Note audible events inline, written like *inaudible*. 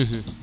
*hesitation* *hesitation*